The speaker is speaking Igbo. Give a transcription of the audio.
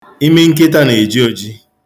Imi nkịta na-eji oji.